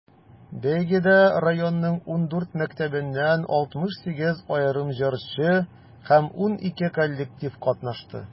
Бәйгедә районның 14 мәктәбеннән 68 аерым җырчы һәм 12 коллектив катнашты.